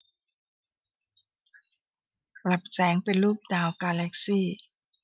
ปรับแสงเป็นรูปดาวกาแลกซี่